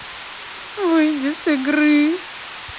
выйди с игры